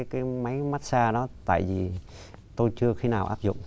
cái máy mát xa đó tại vì tôi chưa khi nào áp dụng